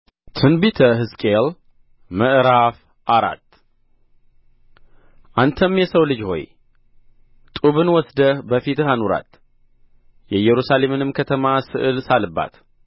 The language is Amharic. ትንቢተ ሕዝቅኤል ምዕራፍ አራት አንተም የሰው ልጅ ሆይ ጡብን ወስደህ በፊትህ አኑራት የኢየሩሳሌምንም ከተማ ስዕል ሳልባት